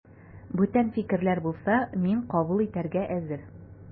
Бүтән фикерләр булса, мин кабул итәргә әзер.